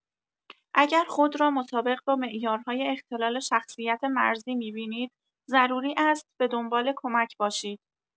اگر خود را مطابق با معیارهای اختلال شخصیت مرزی می‌بینید، ضروری است به‌دنبال کمک باشید.